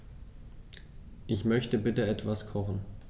Ich möchte bitte etwas kochen.